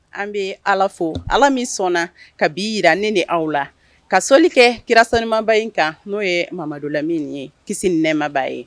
An bɛ Ala fo Ala min sɔnna ka bi jira ne ni aw la ka soli kɛ kira sanumanba in kan n'o ye Mamadu Lamini ye kisi ni nɛma b'a ye